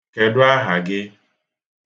Kèdú áhà gị́?